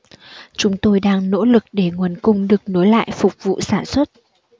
chúng tôi đang nỗ lực để nguồn cung được nối lại phục vụ sản xuất